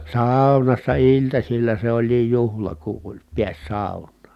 saunassa iltasilla se olikin juhla kun oli pääsi saunaan